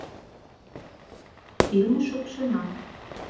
фильмы шукшина